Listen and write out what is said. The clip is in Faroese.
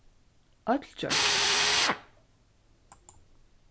øll gjørdu tað